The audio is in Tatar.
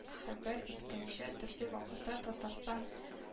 Хәбәр иткәнчә, төрле вакытта татарстан